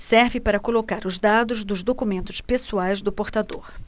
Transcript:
serve para colocar os dados dos documentos pessoais do portador